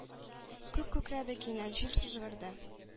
Күк күкрәде кинәт, җил сызгырды,